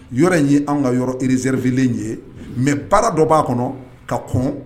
Yɔrɔ in y ye an ka yɔrɔ zefilen ye mɛ baara dɔ b'a kɔnɔ ka kɔn